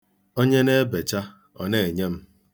Onye na-ebecha, ọ na-enye m.